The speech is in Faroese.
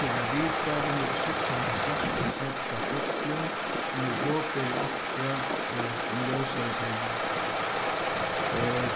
fyri at vita um okur síggja enda svarta snøgga fuglin sum er boðberi okra um ljósari tíðir